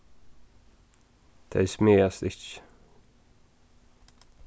tey smæðast ikki